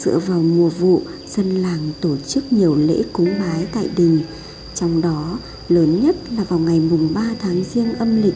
dân làng tổ chức nhiều lễ cúng bái tại đình trong đó lớn nhất là vào ngày mùng tháng giêng âm lịch